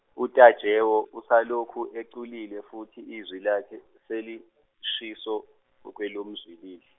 uTajewo, usalokhu eculile futhi izwi lakhe, selishiso, okwelomzwilili.